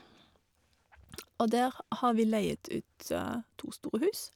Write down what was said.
Og der har vi leiet ut to store hus.